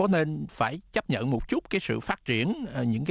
có nên phải chấp nhận một chút cái sự phát triển những